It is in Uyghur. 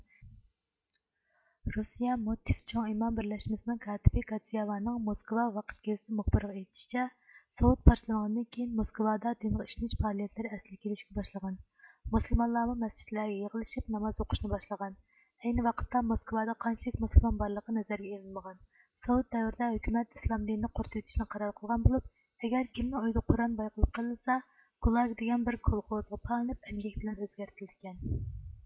رۇسىيە مۇتىف چوڭ ئىمام بىرلەشمىسىنىڭ كاتىپى گاتسىيەۋانىڭ موسكۋا ۋاقىت گېزىتى مۇخبىرىغا ئېيتىشىچە سوۋېت پارچىلانغاندىن كېيىن موسكۋادا دىنغا ئىشىنىش پائالىيەتلىرى ئەسلىگە كېلىشكە باشلىغان مۇسۇلمانلارمۇ مەسچىتلەرگە يىغىلىشىپ ناماز ئۇقۇشنى باشلىغان ئەينى ۋاقىتتا موسكۋادا قانچىلىك مۇسۇلمان بارلىقى نەزەرگە ئېلىنمىغان سوۋېت دەۋرىدە ھۆكۈمەت ئىسلام دىنىنى قۇرۇتۇۋېتىشنى قارار قىلغان بولۇپ ئەگەر كىمنىڭ ئۆيىدە قۇرئان بايقىلىپ قېلىنسا گۇلاگ دېگەن بىر كولخوزغا پالىنىپ ئەمگەك بىلەن ئۆزگەرتىلىدىكەن